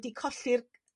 wedi colli'r